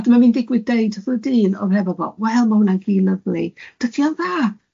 A dyma fi'n digwydd deud wrth y dyn o'dd hefo fo, wel, ma' hwnna'n gi lyfli, dydi o'n dda?